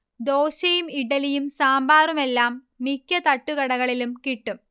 ദോശയും ഇഡ്ഢലിയും സാമ്പാറുമെല്ലാം മിക്ക തട്ടുകടകളിലും കിട്ടും